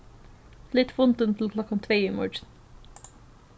flyt fundin til klokkan tvey í morgin